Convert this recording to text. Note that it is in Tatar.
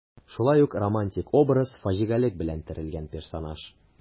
Шулай ук романтик образ, фаҗигалек белән төрелгән персонаж.